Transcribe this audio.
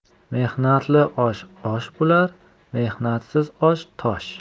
mehnatli osh osh bo'lar mehnatsiz osh tosh